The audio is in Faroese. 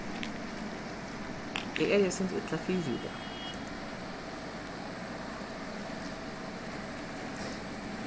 eg eri eitt sindur illa fyri í dag